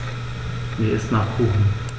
Mir ist nach Kuchen.